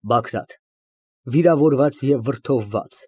ԲԱԳՐԱՏ ֊ (Վիրավորված և վրդովված)